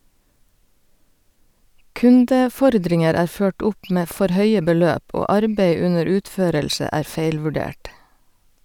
Kundefordringer er ført opp med for høye beløp, og arbeid under utførelse er feilvurdert.